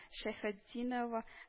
Шәйхетдинова